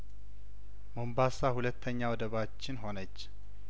ሞምባሳ ሁለተኛ ወደ ባችን ሆነች